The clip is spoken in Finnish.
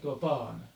tuo paana